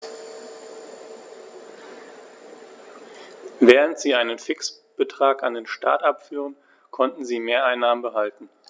Während sie einen Fixbetrag an den Staat abführten, konnten sie Mehreinnahmen behalten.